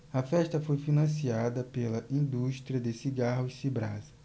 a festa foi financiada pela indústria de cigarros cibrasa